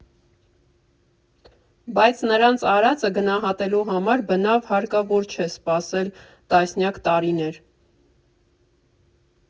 Բայց նրանց արածը գնահատելու համար բնավ հարկավոր չէ սպասել տասնյակ տարիներ։